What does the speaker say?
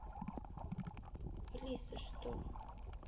алиса что